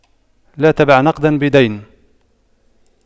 لا تبع نقداً بدين